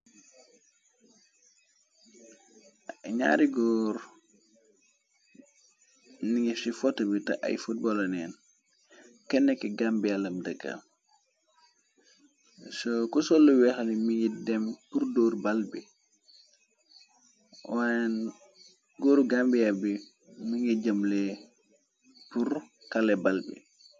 Njaari góor ningi ci foto bi teh ay footbala len, kenah ki Gambia lam dehkah, soo ku sol lu weexali mingi dém pur dórre bal bi, waen góoru gambien bi mi ngi jeum leh pur kalé bal bi.